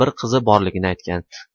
bir qizi borligini aytgan